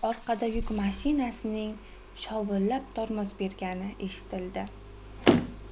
orqada yuk mashinasining voshillab tormoz bergani eshitildi